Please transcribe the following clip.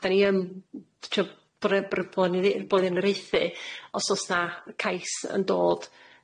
'Dan ni yn t- trio blaenoriaethu os o's na cais yn dod.